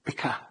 Beca?